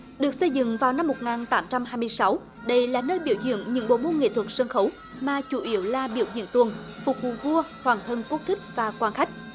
được xây dựng vào năm một ngàn tám trăm hai mươi sáu đây là nơi biểu diễn những bộ môn nghệ thuật sân khấu mà chủ yếu là biểu diễn tuồng phục vụ vua hoàng thân quốc thích và quan khách